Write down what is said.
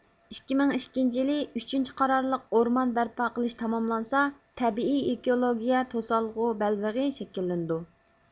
ئىككى مىڭ ئىككىنجى يىلى ئۈچىنچى قارارلىق ئورمان بەرپا قىلىش تاماملانسا تەبىئىي ئېكولوگىيە توسالغۇ بەلۋېغى شەكىللىنىدۇ